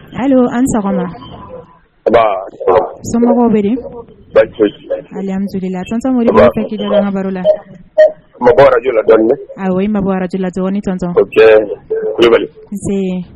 Ayiwa an sɔgɔma so bɛ alamusola la ye mabɔjulala nse